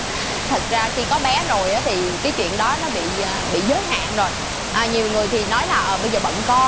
thật ra khi có bé rồi thì cái chuyện đó nó bị giới hạn rồi nhiều người thì nói là ờ bây giờ bận con